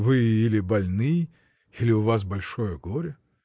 вы или больны, или у вас большое горе!.